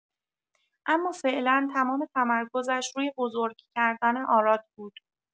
اما فعلا، تمام تمرکزش روی بزرگ کردن آراد بود.